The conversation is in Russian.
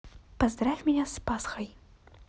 поздравь меня с пасхой